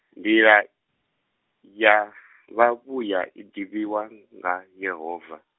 nḓila, ya , vha vhuya, iḓivhiwa nga, Yehova.